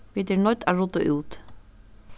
vit eru noydd at rudda út